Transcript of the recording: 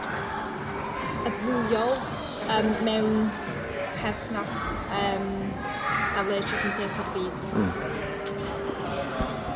adfywiol yym mewn perthnas yym safle treftadiaeth y byd? Hmm.